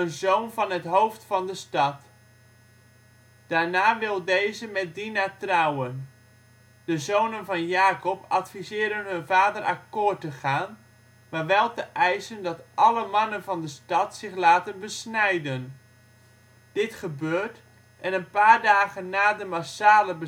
zoon van het hoofd van de stad. Daarna wil deze met Dina trouwen. De zonen van Jakob adviseren hun vader akkoord te gaan, maar wel te eisen dat alle mannen van de stad zich laten besnijden. Dit gebeurt en een paar dagen na de massale